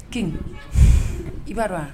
King i b'a dɔn wa?